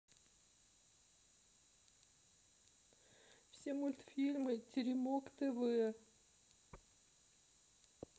все мультфильмы теремок тв